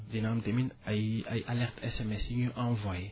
dina am tamit ay ay alertes SMS yu ñuy envoyer